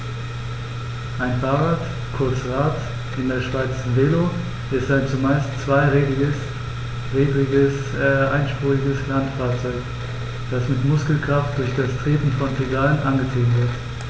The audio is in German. Ein Fahrrad, kurz Rad, in der Schweiz Velo, ist ein zumeist zweirädriges einspuriges Landfahrzeug, das mit Muskelkraft durch das Treten von Pedalen angetrieben wird.